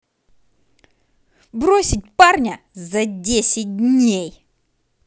бросить парня за десять дней